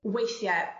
Weithie